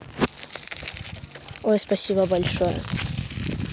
ой спасибо большое